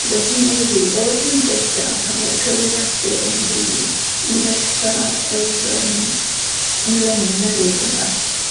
wedi newid o'r pumdega pan o'dd y cywiriadur yn 'i fri i ddechra yr yym mileniwm newydd ynde?